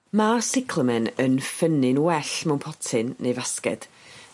Ma' cyclamen yn ffynnu'n well mewn potyn neu fasged.